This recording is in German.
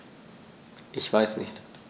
Ich weiß nicht.